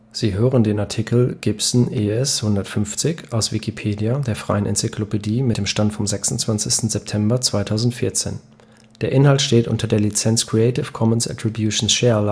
Sie hören den Artikel Gibson ES-150, aus Wikipedia, der freien Enzyklopädie. Mit dem Stand vom Der Inhalt steht unter der Lizenz Creative Commons Attribution Share